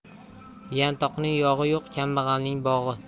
yantoqning yog'i yo'q kambag'alning bog'i